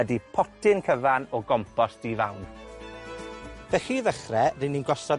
ydi potyn cyfan o gompost di fawn. Felly i ddechre, 'dyn ni'n gosod